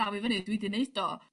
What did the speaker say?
llaw i fyny dwi 'di neud o...